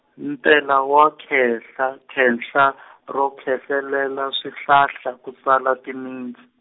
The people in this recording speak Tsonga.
ntela wa khehla khe nhla- , ro khehlelela swihlahla ku sala timints-.